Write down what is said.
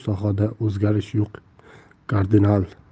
sohada o'zgarish yo'q kardinal